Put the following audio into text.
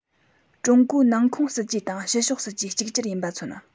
ཀྲུང གོའི ནང ཁོངས སྲིད ཇུས དང ཕྱི ཕྱོགས སྲིད ཇུས གཅིག གྱུར ཡིན པ མཚོན